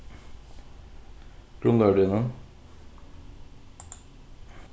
grundlógardegnum